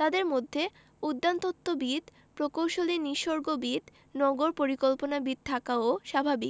তাদের মধ্যে উদ্যানতত্ত্ববিদ প্রকৌশলী নিসর্গবিদ নগর পরিকল্পনাবিদ থাকাও স্বাভাবিক